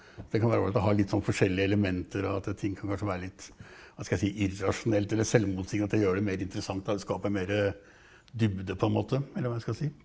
det kan være ålreit å ha litt sånn forskjellige elementer og at ting kan kanskje være litt, hva skal jeg si, irrasjonelt eller selvmotsigende, at det å gjøre det mer interessant da, det skaper mere dybde på en måte eller hva jeg skal si.